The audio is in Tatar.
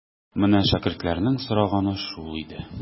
Менә шәкертләрнең сораганы шул иде.